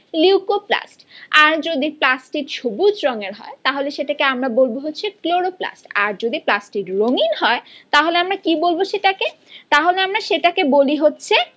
leucoplast আর যদি plastid সবুজ রংয়ের হয় তাহলে সেটাকে আমরা বলব হচ্ছে ক্লোরোপ্লাস্ট আর যদি প্লাস্টিড রঙিন হয় তাহলে আমরা কি বলবো সেটা কে তাহলে আমরা সেটা কে বলি হচ্ছে